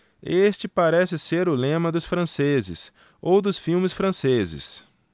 este parece ser o lema dos franceses ou dos filmes franceses